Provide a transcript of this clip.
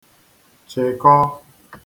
chị̀kọ